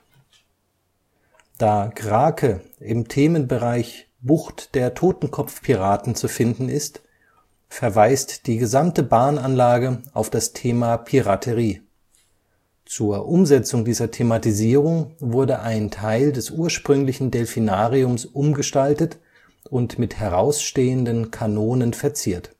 Da Krake im Themenbereich Bucht der Totenkopfpiraten zu finden ist, verweist die gesamte Bahnanlage auf das Thema Piraterie. Zur Umsetzung dieser Thematisierung wurde ein Teil des ursprünglichen Delfinariums umgestaltet und mit herausstehenden Kanonen verziert